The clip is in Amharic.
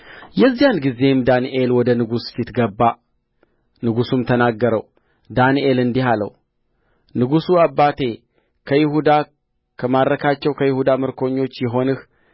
የዚያን ጊዜም ዳንኤል ወደ ንጉሡ ፊት ገባ ንጉሡም ተናገረው ዳንኤልም እንዲህ አለው ንጉሡ አባቴ ከይሁዳ ከማረካቸው ከይሁዳ ምርኮኞች የሆንህ